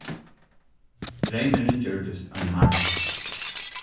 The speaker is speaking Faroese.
dreymurin gjørdist ein marra